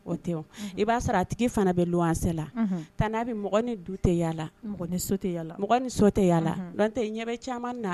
O tɛ o unhun i b'a sɔrɔ a tigi fana be luwanse la unhun Tani Habi mɔgɔ ni du te yala mɔgɔ ni so te yala mɔgɔ ni so te yala nɔnte i ɲɛbɛ caman na